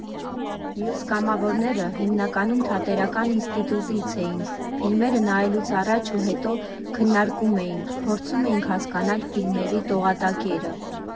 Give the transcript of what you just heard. Մյուս կամավորները հիմնականում Թատերական ինստիտուտից էին, ֆիլմերը նայելուց առաջ ու հետո քննարկում էինք, փորձում էինք հասկանալ ֆիլմերի տողատակերը.